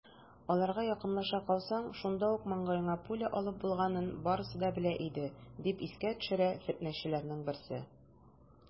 Аларга якынлаша калсаң, шунда ук маңгаеңа пуля алып булганын барысы да белә иде, - дип искә төшерә фетнәчеләрнең берсе.